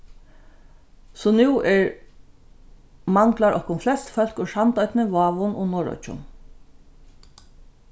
sum nú er manglar okkum flest fólk úr sandoynni vágum og norðoyggjum